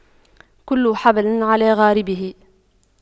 كل حبل على غاربه